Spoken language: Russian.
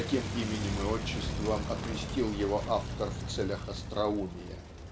таким именем и отчеством окрестил его автор в целях остроумия).